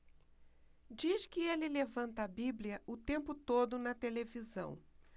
diz que ele levanta a bíblia o tempo todo na televisão